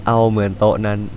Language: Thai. เอาเหมือนโต๊ะนั้น